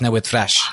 newydd ffresh.